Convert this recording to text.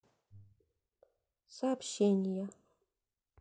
сообщения